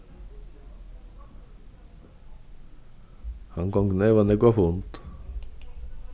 hann gongur neyvan nógv á fund